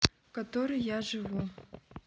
который я живу